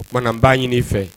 Oumana b'a ɲini i fɛ